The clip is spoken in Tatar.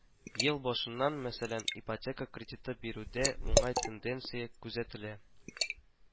Ел башыннан, мәсәлән, ипотека кредиты бирүдә уңай тенденция күзәтелә